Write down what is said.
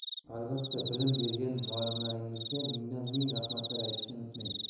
albatta bilim bergan muallimlaringizga mingdan ming rahmatlar aytishni unutmaysiz